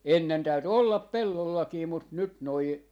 ennen täytyi olla pellollakin mutta nyt nuo